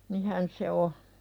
niinhän se on